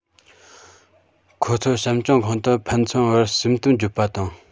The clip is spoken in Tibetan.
ཁོ ཚོ བྱམས སྐྱོང ཁང དུ ཕན ཚུན བར སེམས གཏམ བརྗོད པ དང